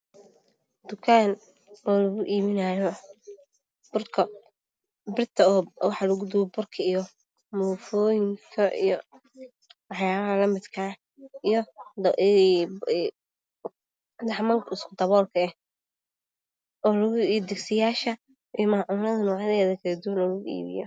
Yukaan lagu iibinayo burka iyo moofooyinka iyo waxyaalaha lamidka ah iyo disdiyaasha iyo maacuunada kaladuwan